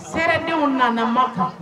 Sedenw nana ma kan